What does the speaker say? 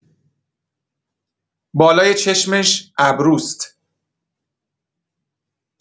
بالای چشمش ابروست